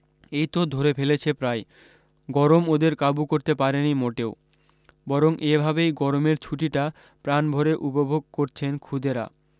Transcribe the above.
এই তো ধরে ফেলেছে প্রায় গরম ওদের কাবু করতে পারেনি মোটেও বরং এ ভাবেই গরমের ছুটিটা প্রাণভরে উপভোগ করছে খুদেরা